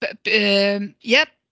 B- yy b- yy ia.